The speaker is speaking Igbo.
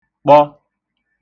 kpọ